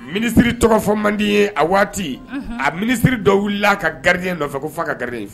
Minisiriri tɔgɔ fɔ mandi ye a waati a minisiriri dɔ wulila a ka garidi in nɔfɛ ko fo ka gari ye